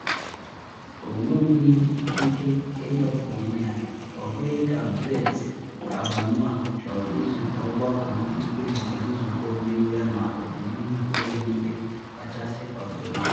Ọ nwenwughi ike ịdọpụ onwe ya, ọbụghị ka Brett Kavanaugh chọrọ izute Ọgbakọ Ndị Ikpe nke Nzụkọ Ọmeiwu yana ọdịnihu nke Ụlọ Ikpe Kachasị kodoro n’ikuku.